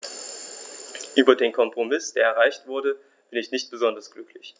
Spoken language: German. Über den Kompromiss, der erreicht wurde, bin ich nicht besonders glücklich.